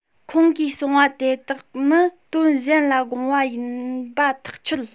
ཁོང གིས གསུངས པ དེ དག ནི དོན གཞན ལ དགོངས པ ཡིན པ ཐག ཆོད